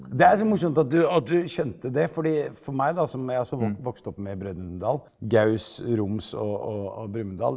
det er litt sånn morsomt at du at du skjønte det fordi for meg da som jeg har også vokst opp med Brødrene Dal, Gaus, Roms og og og Brumund Dal.